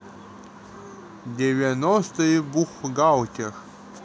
девяностые бухгалтер